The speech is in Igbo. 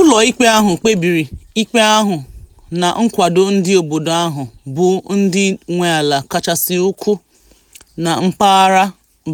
Ụlọikpe ahụ kpebiri ikpe ahụ na nkwado ndị obodo ahụ bụ ndị nwe ala kachasị ukwuu na mpaghara